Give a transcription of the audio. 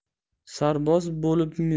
sarboz bo'libmi